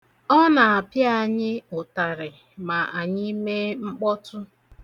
Ọ na-apịa anyị ụtarị ma anyị mee mkpọtụ